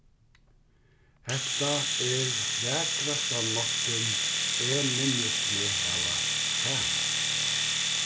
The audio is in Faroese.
hetta er vakrasta náttin eg minnist meg hava sæð